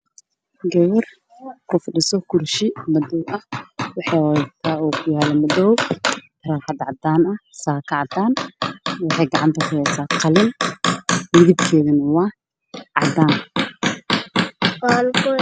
Waa naag ku fadhiso kursi madow wadato saaka cadaan ah